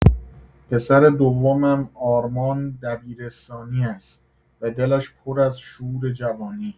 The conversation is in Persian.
پسر دومم آرمان دبیرستانی است و دلش پر از شور جوانی.